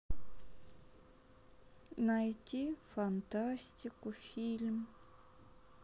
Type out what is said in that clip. найти фантастику фильм